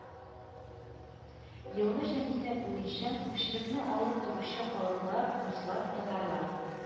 Елгы җанисәп буенча күпчелекне алып торучы халыклар: руслар , татарлар